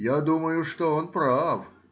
я думаю, что он прав